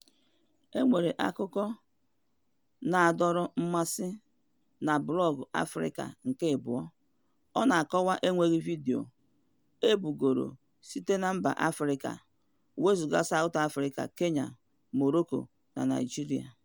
E nwere akụkọ na-adọrọ mmasị na blọọgụ Africa2.0 na-akọwa enweghị vidiyo ebugoro site na mba Africa (wezuga South Africa, Kenya, Morocco na Naịjirịa).